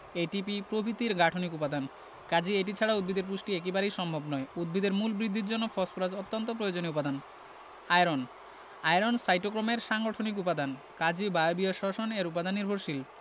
ATP প্রভিতির গাঠনিক উপাদান কাজেই এটি ছাড়া উদ্ভিদের পুষ্টি একেবারেই সম্ভব নয় উদ্ভিদের মূল বৃদ্ধির জন্য ফসফরাস অত্যন্ত প্রয়োজনীয় উপাদান আয়রন আয়রন সাইটোক্রোমের সাংগঠনিক উপাদান কাজেই বায়বীয় শ্বসন এর উপাদান নির্ভরশীল